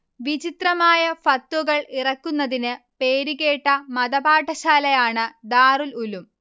വിചിത്രമായ ഫത്വകൾ ഇറക്കുന്നതിന് പേര് കേട്ട മതപാഠശാലയാണ് ദാറുൽഉലൂം